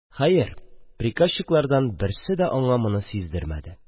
Хәер, приказчиклардан берсе дә Әкрәм карыйга моны сиздермәде.